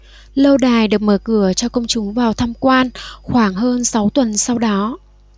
lâu đài được mở cửa cho công chúng vào tham quan khoảng hơn sáu tuần sau đó